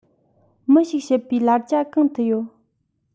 མི ཞིག བྱེད པའི ལ རྒྱ གང དུ ཡོད